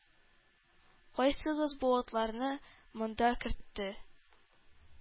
-кайсыгыз бу атларны монда кертте?!-